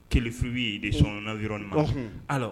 Kisubi ye de sɔnna yɔrɔ min ala